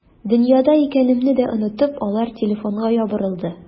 Дөньяда икәнемне дә онытып, алар телефонга ябырылды.